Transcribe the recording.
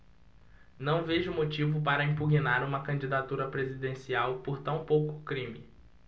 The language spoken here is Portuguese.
não vejo motivo para impugnar uma candidatura presidencial por tão pouco crime